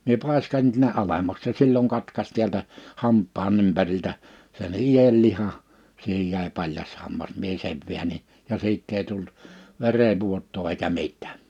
minä paiskasin ne sinne alemmaksi se silloin katkaisi täältä hampaan ympäriltä sen ienlihan siihen jäi paljas hammas minä sen väänsin ja siitä ei tullut verenvuotoa eikä mitään